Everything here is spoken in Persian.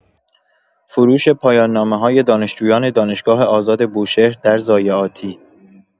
فروش پایان‌نامه‌های دانشجویان دانشگاه آزاد بوشهر در ضایعاتی!